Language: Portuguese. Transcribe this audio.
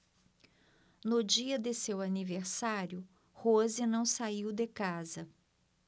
no dia de seu aniversário rose não saiu de casa